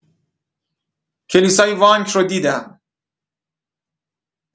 کلیسای وانک رو دیدم.